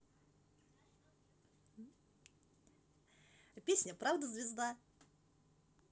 песня правда звезда